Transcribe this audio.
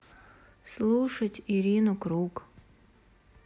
слушать ирину круг